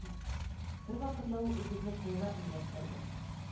Бервакытны ул үгезне кулына ияләштерде